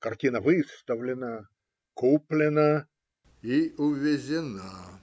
Картина выставлена, куплена и увезена.